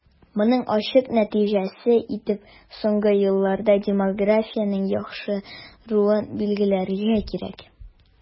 Моның ачык нәтиҗәсе итеп соңгы елларда демографиянең яхшыруын билгеләргә кирәк.